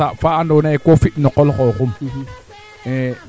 nam jafe jafe keene ndaf i mbaga anda deno yo